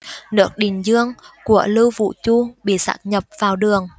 nước định dương của lưu vũ chu bị sáp nhập vào đường